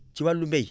ci wàllu mbay